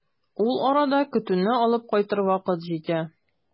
Ул арада көтүне алып кайтыр вакыт җитә.